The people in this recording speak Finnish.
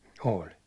oli